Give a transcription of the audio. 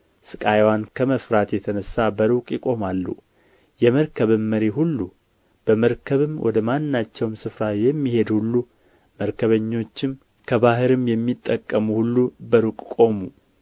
ስቃይዋን ከመፍራት የተነሣ በሩቅ ይቆማሉ የመርከብም መሪ ሁሉ በመርከብም ወደ ማናቸውም ስፍራ የሚሄድ ሁሉ መርከበኞችም ከባሕርም የሚጠቀሙ ሁሉ በሩቅ ቆሙ